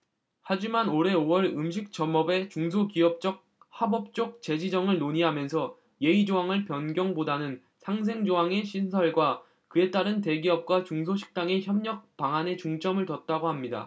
하지만 올해 오 월 음식점업의 중소기업적합업종 재지정을 논의하면서 예외조항을 변경보다는 상생 조항의 신설과 그에 따른 대기업과 중소식당의 협력 방안에 중점을 뒀다고 합니다